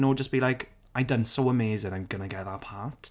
No just be like "I done so amazing. I'm going to get that part".